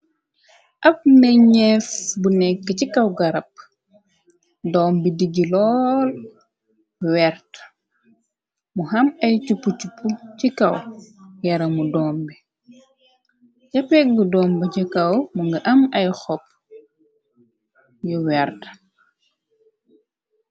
Ab meñees bu nekk ci kaw garab dombi digi lool weert mu xam ay cupu cup ci kaw yaramu dombi japegg domb ca kaw mu nga am ay xopp yu weert.